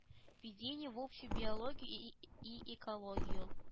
Введение в общую биологию и и экологию